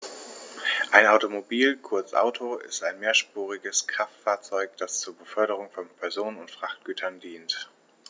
Ein Automobil, kurz Auto, ist ein mehrspuriges Kraftfahrzeug, das zur Beförderung von Personen und Frachtgütern dient.